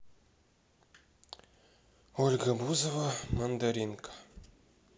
ольга бузова мандаринка